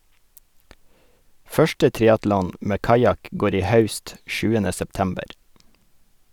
Første triatlon med kajakk går i haust, 7. september.